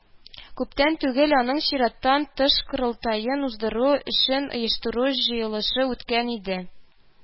Күптән түгел аның чираттан тыш корылтаен уздыру өчен оештыру җыелышы үткән иде